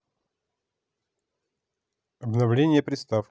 обновление приставки